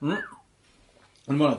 Hmm. O'n i'n me'wl...